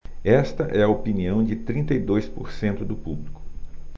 esta é a opinião de trinta e dois por cento do público